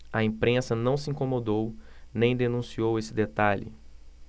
a imprensa não se incomodou nem denunciou esse detalhe